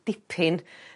dipyn